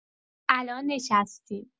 الان نشستیم